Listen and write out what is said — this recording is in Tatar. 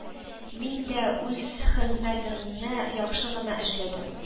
Мин дә үз хезмәтемне яхшы гына эшләдем